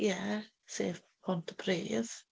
Ie, sef Pontypridd.